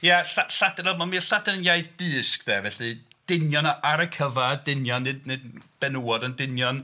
Ia lla- Lladin oedd... mi mi oedd Lladin yn iaith dysg de, felly dynion a- ar y cyfa dynion nid nid benywod ond dynion.